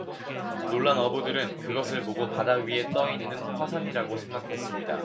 놀란 어부들은 그것을 보고 바다 위에 떠 있는 화산이라고 생각했습니다